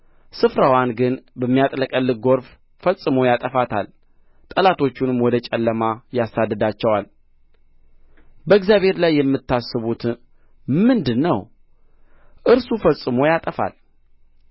ስፍራዋን ግን በሚያጥለቀልቅ ጎርፍ ፈጽሞ ያጠፋታል ጠላቶቹንም ወደ ጨለማ ያሳድዳቸዋል በእግዚአብሔር ላይ የምታስቡት ምንድር ነው እርሱ ፈጽሞ ያጠፋል